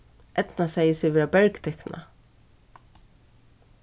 eydna segði seg vera bergtikna